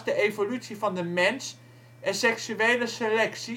evolutie van de mens en seksuele selectie